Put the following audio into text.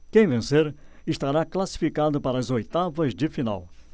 quem vencer estará classificado para as oitavas de final